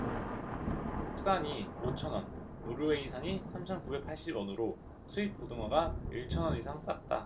국산이 오 천 원 노르웨이산이 삼 천 구백 팔십 원으로 수입 고등어가 일 천 원 이상 쌌다